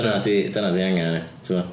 Hwnna 'di dyna 'di angen ia. Tibod?